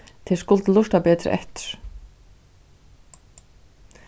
tær skulu lurta betur eftir